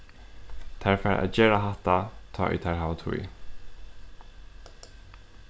tær fara at gera hatta tá ið tær hava tíð